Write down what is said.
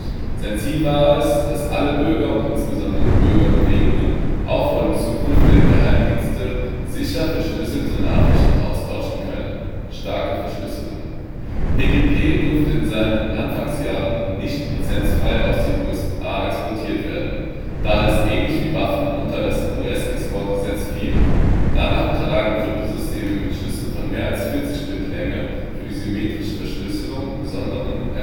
Sein Ziel war es, dass alle Bürger und insbesondere Bürgerbewegungen auch vor dem Zugriff durch Geheimdienste sicher verschlüsselte Nachrichten austauschen können (starke Verschlüsselung). PGP durfte in seinen Anfangsjahren nicht lizenzfrei aus den USA exportiert werden, da es, ähnlich wie Waffen, unter das US-Exportgesetz fiel. Danach unterlagen Kryptosysteme mit Schlüsseln von mehr als 40 Bit Länge für die symmetrische Verschlüsselung besonderen